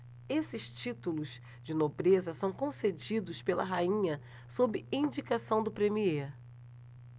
esses títulos de nobreza são concedidos pela rainha sob indicação do premiê